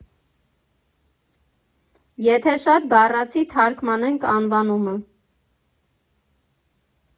Եթե շատ բառացի թարգմանենք անվանումը։